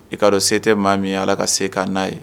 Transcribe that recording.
I ka dɔn se tɛ maa min ye ala ka se kan na ye.